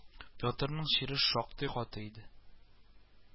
Петрның чире шактый каты иде